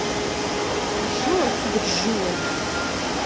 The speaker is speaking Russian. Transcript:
пошел отсюда джой